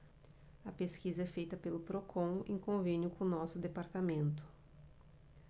a pesquisa é feita pelo procon em convênio com o diese